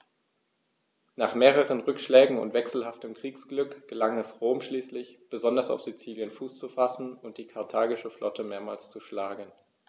Nach mehreren Rückschlägen und wechselhaftem Kriegsglück gelang es Rom schließlich, besonders auf Sizilien Fuß zu fassen und die karthagische Flotte mehrmals zu schlagen.